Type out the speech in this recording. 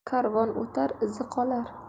karvon o'tar izi qolar